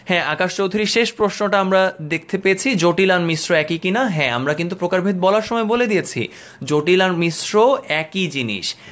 হ্যাঁ আকাশ চৌধুরী শেষ প্রশ্ন টা আমরা দেখতে পেয়েছি জটিল আর মিশ্র একি কি না হ্যাঁ আমরা কিন্তু প্রকারভেদ বলার সময় বলে দিয়েছি হ্যাঁ জটিল আর মিশ্র একই জিনিস